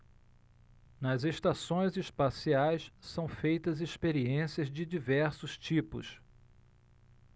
nas estações espaciais são feitas experiências de diversos tipos